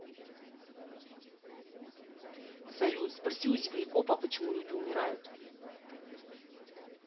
салют спроси у землекопа почему люди умирают